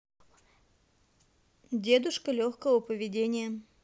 дедушка легкого поведения